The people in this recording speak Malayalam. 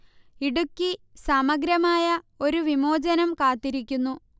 ഇടുക്കി സമഗ്രമായ ഒരു വിമോചനം കാത്തിരിക്കുന്നു